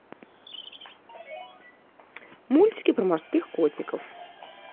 мультики про морских котиков